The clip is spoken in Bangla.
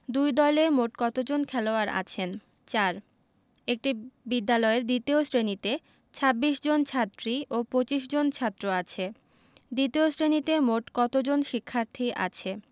দুই দলে মোট কতজন খেলোয়াড় আছেন ৪ একটি বিদ্যালয়ের দ্বিতীয় শ্রেণিতে ২৬ জন ছাত্রী ও ২৫ জন ছাত্র আছে দ্বিতীয় শ্রেণিতে মোট কত জন শিক্ষার্থী আছে